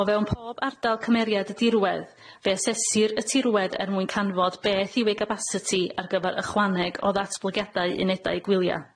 O fewn pob ardal cymeriad y dirwedd fe asesir y tirwedd er mwyn canfod beth yw ei gapasiti ar gyfar ychwaneg o ddatblygiadau unedau gwylia.